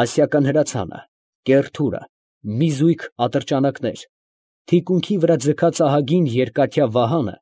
Ասիական հրացանը, կեռ թուրը, մի զույգ ատրճանակներ, թիկունքի վրա ձգած ահագին երկաթյա վահանը